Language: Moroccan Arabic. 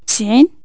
تسعين